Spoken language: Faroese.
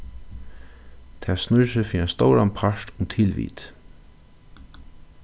tað snýr seg fyri ein stóran part um tilvit